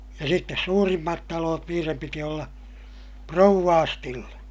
ja sitten suurimmat talot niiden piti olla rovastille